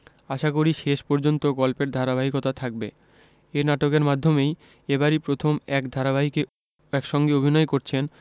আশাকরি শেষ পর্যন্ত গল্পের ধারাবাহিকতা থাকবে এ নাটকের মাধ্যমেই এবারই প্রথম এক ধারাবাহিকে একসঙ্গে অভিনয় করছেন